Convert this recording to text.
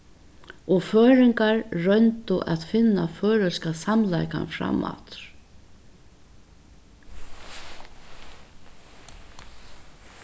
og føroyingar royndu at finna føroyska samleikan fram aftur